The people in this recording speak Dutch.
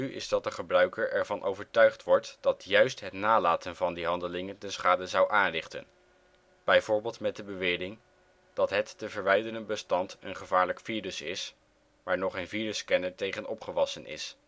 is dat de gebruiker ervan overtuigd wordt dat juist het nalaten van die handelingen de schade zou aanrichten, bijvoorbeeld met de bewering dat het te verwijderen bestand een gevaarlijk virus is, waar nog geen virusscanner tegen opgewassen is